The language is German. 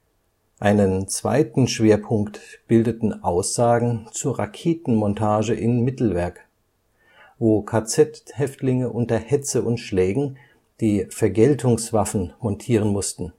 Einen zweiten Schwerpunkt bildeten Aussagen zur Raketenmontage im Mittelwerk, wo KZ-Häftlinge unter Hetze und Schlägen die „ Vergeltungswaffen “montieren mussten